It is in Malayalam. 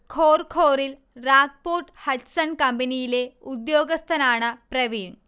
ഖോർ ഖോറിൽ റാക് പോർട്ട് ഹച്ച്സൺ കമ്പനിയിലെ ഉദ്യോഗസ്ഥനാണ് പ്രവീൺ